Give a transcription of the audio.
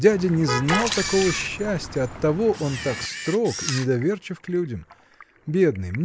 дядя не знал такого счастья, оттого он так строг и недоверчив к людям. Бедный!